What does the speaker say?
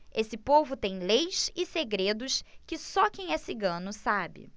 esse povo tem leis e segredos que só quem é cigano sabe